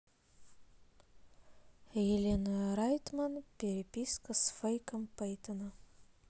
елена райтман переписка с фейком пейтона